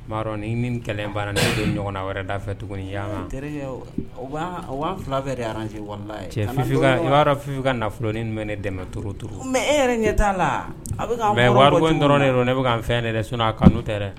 Ni kɛlɛ banna ne don ɲɔgɔnna wɛrɛ da fɛ tuguni fifin ka nafololonin bɛ ne dɛmɛ to mɛ e ɲɛ la a dɔrɔn ne bɛ fɛn a n' tɛ dɛ